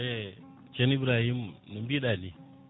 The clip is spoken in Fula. e ceerno Ibrahima no mbiɗani